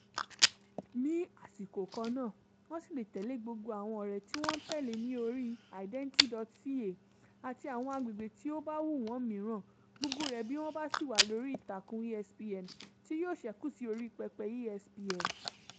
Ní àsìkò kan náà, wọ́n ṣì lè tẹ́lẹ̀ gbogbo àwọn ọ̀rẹ́ tí wọ́n ń tẹ́lẹ̀ ní orí Identi.ca àti àwọn àgbègbè tí ó bá wù wọ́n mìíràn, gbogbo rẹ̀ bí wọ́n bá sì wà lórí ìtàkùn ESPN, tí yóò ṣẹ́kù sí orí pẹpẹ ESPN.